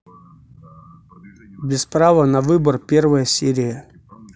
без права на выбор первая серия